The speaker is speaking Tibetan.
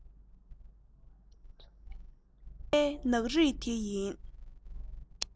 ཚོར བའི ནག རིས དེ ཡིན